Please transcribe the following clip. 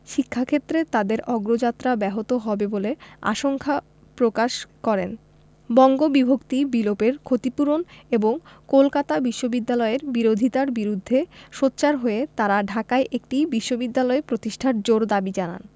শিক্ষাক্ষেত্রে তাদের অগ্রযাত্রা ব্যাহত হবে বলে আশঙ্কা প্রকাশ করেন বঙ্গবিভক্তি বিলোপের ক্ষতিপূরণ এবং কলকাতা বিশ্ববিদ্যালয়ের বিরোধিতার বিরুদ্ধে সোচ্চার হয়ে তারা ঢাকায় একটি বিশ্ববিদ্যালয় প্রতিষ্ঠার জোর দাবি জানান